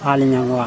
Aly Niang waa